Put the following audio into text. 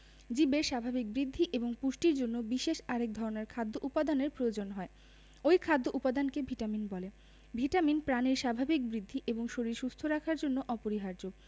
জীবের স্বাভাবিক বৃদ্ধি এবং পুষ্টির জন্য বিশেষ আরেক ধরনের খাদ্য উপাদানের প্রয়োজন হয় ঐ খাদ্য উপাদানকে ভিটামিন বলে ভিটামিন প্রাণীর স্বাভাবিক বৃদ্ধি এবং শরীর সুস্থ রাখার জন্য অপরিহার্য